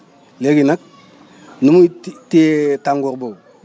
léegi nag ni muy téyee tàngoor boobu